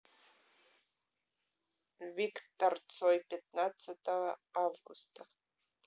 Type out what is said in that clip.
виктор цой пятнадцатого августа